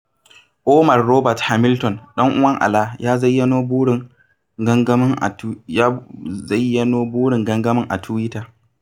Omar Robert Hamilton, ɗan'uwan Alaa, ya zayyano burin gangamin a Tuwita: